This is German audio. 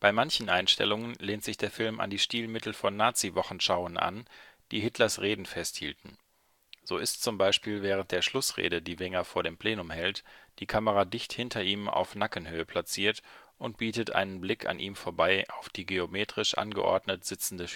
manchen Einstellungen lehnt sich der Film an die Stilmittel von Nazi-Wochenschauen an, die Hitlers Reden festhielten. So ist zum Beispiel während der Schlussrede, die Wenger vor dem Plenum hält, die Kamera dicht hinter ihm auf Nackenhöhe platziert und bietet einen Blick an ihm vorbei auf die geometrisch angeordnet sitzende